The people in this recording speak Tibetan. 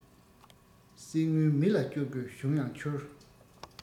གསེར དངུལ མི ལ བཅོལ དགོས བྱུང ཡང ཆོལ